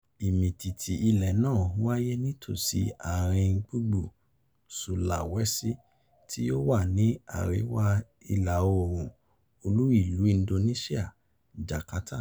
Ìmìtìtì ilẹ̀ náà wáyé nítòsí àárín gbùngbùn Sulawesi tí ó wà ní àríwá ìlà oòrùn olú ìlú Indonesia, Jakarta.